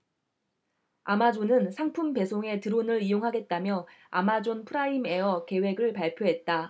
아마존은 상품 배송에 드론을 이용하겠다며 아마존 프라임에어 계획을 발표했다